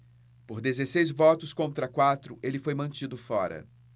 por dezesseis votos contra quatro ele foi mantido fora